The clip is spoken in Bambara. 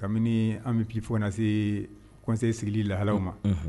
Kabini an bɛ p fɔ na se kɔnse sigi lahalaww ma